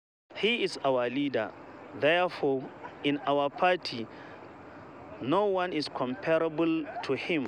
He is our leader, therefore in our party, no one is comparable to him.